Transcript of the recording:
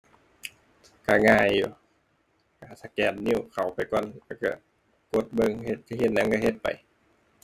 ก็ง่ายอยู่ ก็สแกนนิ้วเข้าไปก่อนแล้วก็กดเบิ่งเฮ็ด สิเฮ็ดหยังก็เฮ็ดไป